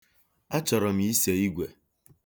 Achọrọ m ise igwe.